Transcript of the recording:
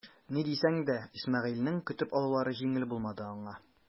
Ни дисәң дә Исмәгыйлен көтеп алулары җиңел булмады аңа.